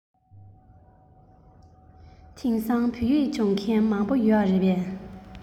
དེང སང བོད ཡིག སྦྱོང མཁན མང པོ ཡོད རེད པས